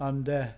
Ond y...